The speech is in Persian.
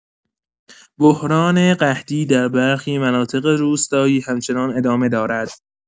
بحران قحطی در برخی مناطق روستایی همچنان ادامه دارد.